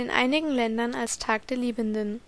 einigen Ländern als Tag der Liebenden